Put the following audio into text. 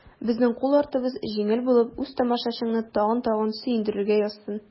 Безнең кул артыбыз җиңел булып, үз тамашачыңны тагын-тагын сөендерергә язсын.